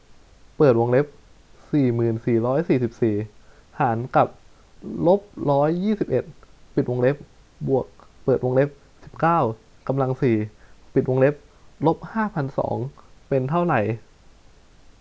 เปิดวงเล็บสี่หมื่นสีร้อยสี่สิบสี่หารกับลบร้อยยี่สิบเอ็ดปิดวงเล็บบวกเปิดวงเล็บสิบเก้ากำลังสี่ปิดวงเล็บลบห้าพันสองเป็นเท่าไหร่